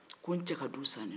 ko n cɛ ka du sannen don